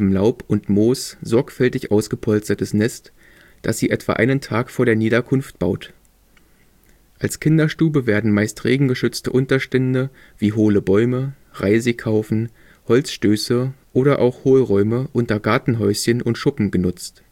Laub und Moos sorgfältig ausgepolstertes Nest, das sie etwa einen Tag vor der Niederkunft baut. Als Kinderstube werden meist regengeschützte Unterstände wie hohle Bäume, Reisighaufen, Holzstöße oder auch Hohlräume unter Gartenhäuschen und Schuppen genutzt